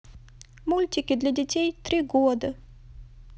мультики для детей три года